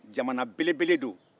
jamana belebele don